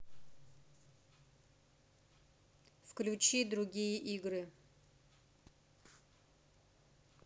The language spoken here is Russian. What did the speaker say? включи другие игры